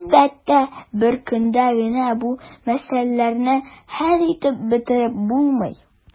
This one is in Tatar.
Әлбәттә, бер көндә генә бу мәсьәләләрне хәл итеп бетереп булмый.